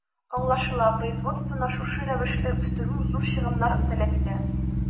Аңлашыла, производствоны шушы рәвешле үстерү зур чыгымнар таләп итә.